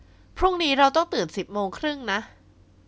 พรุ่งนี้เราต้องตื่นสิบโมงครึ่งนะ